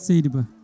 seydi Ba